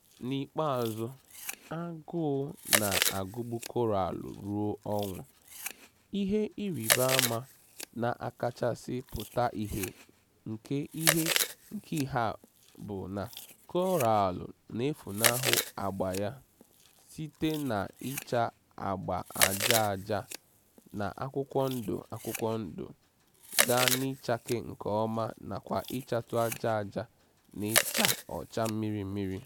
N'ikpeazụ, agụụ na-agụgbụ Koraalụ ruo ọnwụ; ihe ịrịba ama na-akachasị pụta ihe nke ihe a bụ na Koraalụ na-efunahụ agba ya, site n'ịcha agba aja aja na akwụkwọ ndụ akwụkwọ ndụ gaa n'ịchake nke ọma nakwa ichatu aja aja, na icha ọcha mmirimmiri.